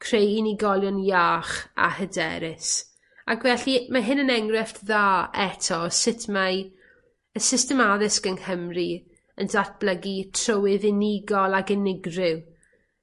Creu unigolion iach a hyderus ac felly ma' hyn yn enghrefft dda eto sut mae y system addysg yng Nghymru yn datblygu trywydd unigol ag unigryw